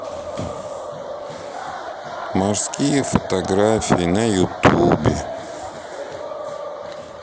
морские фотографии на ютубе